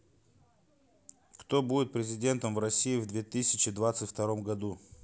кто будет президентом в россии в две тысячи двадцать втором году